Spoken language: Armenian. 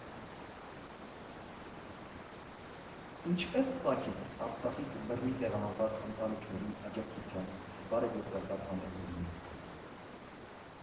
Ինչպե՞ս ծագեց Արցախից բռնի տեղահանված ընտանիքներին աջակցության բարեգորածական համերգների միտքը։